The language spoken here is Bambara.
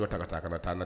Don ta taa ka taa